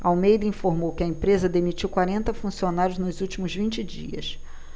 almeida informou que a empresa demitiu quarenta funcionários nos últimos vinte dias